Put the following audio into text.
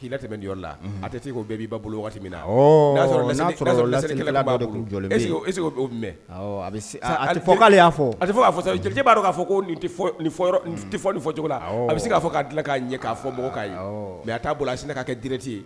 K'i tɛmɛ la a tɛ k'o bɛɛ b'i ba bolo waati min na y'a a fɔale y'a fɔ a tɛ fɔ jeli b'a k'a fɔ ko tɛ fɔ fɔ cogo la a bɛ se k'a k'a dilan k'a ɲɛ k'a fɔ mɔgɔw'a ye mɛ a t' a se k' kɛ dɛrɛti